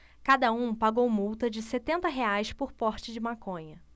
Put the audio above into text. cada um pagou multa de setenta reais por porte de maconha